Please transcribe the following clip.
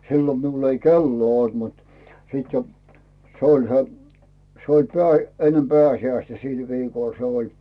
silloin minulla ei kelloa ollut mutta sitten jo se oli se se oli - ennen pääsiäistä sillä viikolla se oli